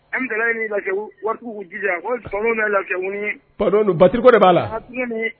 Amidalayi ni Lafiyabugu waritigiw k'u jija batterie ko de b'a la